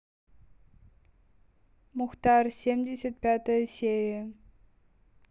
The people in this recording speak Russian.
мухтар семьдесят пятая серия